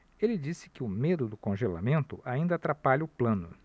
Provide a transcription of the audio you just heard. ele disse que o medo do congelamento ainda atrapalha o plano